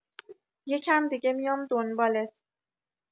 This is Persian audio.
یکم دیگه میام دنبالت.